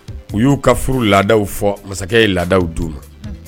U y' u ka furu laadaw fɔ, masakɛ ye laadaw d'u ma.